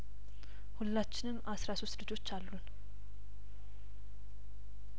ሁላችንም አስራ ሶስት ልጆች አሉን